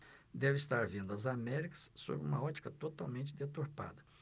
devem estar vendo as américas sob uma ótica totalmente deturpada